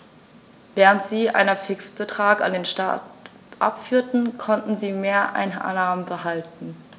Während sie einen Fixbetrag an den Staat abführten, konnten sie Mehreinnahmen behalten.